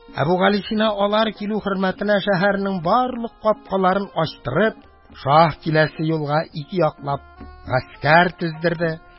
Әбүгалисина, алар килү хөрмәтенә шәһәрнең барлык капкаларын ачтырып, шаһ киләсе юлга ике яклап гаскәр тездерде.